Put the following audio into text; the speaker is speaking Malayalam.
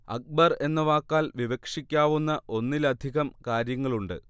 അക്ബർ എന്ന വാക്കാൽ വിവക്ഷിക്കാവുന്ന ഒന്നിലധികം കാര്യങ്ങളുണ്ട്